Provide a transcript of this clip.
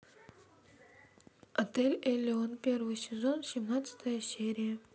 отель элеон первый сезон семнадцатая серия